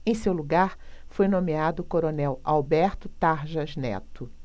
em seu lugar foi nomeado o coronel alberto tarjas neto